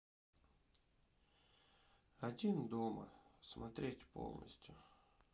один дома смотреть полностью